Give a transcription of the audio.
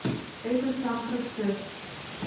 этот сам процесс